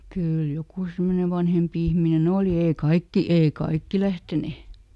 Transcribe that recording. kyllä joku semmoinen vanhempi ihminen oli ei kaikki ei kaikki lähteneet